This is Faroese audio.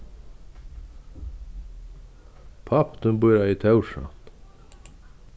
pápi tín býr ei í tórshavn